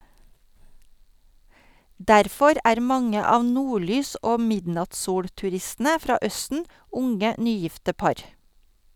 Derfor er mange av nordlys- og midnattssolturistene fra Østen unge, nygifte par.